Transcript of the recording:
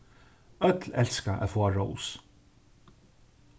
øll elska at fáa rós